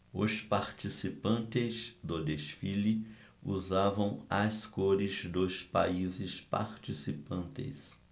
os participantes do desfile usavam as cores dos países participantes